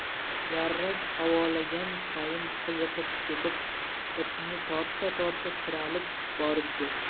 varrak havolagan sayin qiziqib ketib ipni torta torta tisarilib boribdi